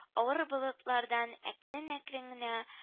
Авыр болытлардан әкрен-әкрен генә